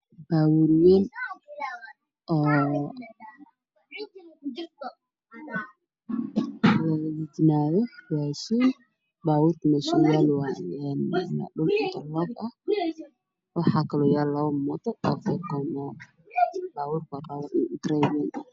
Waa suuq waxa ii muuqda baabuur weyn oo dejinayo raashin iyo labo mooto oo feecon